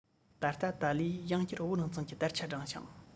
ད ལྟ ཏཱ ལའི ཡིས ཡང བསྐྱར བོད རང བཙན གྱི དར ཆ སྒྲེང ཞིང